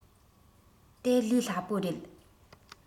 དེ ལས སླ པོ རེད